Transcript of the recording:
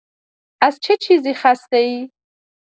از چه چیزی خسته‌ای؟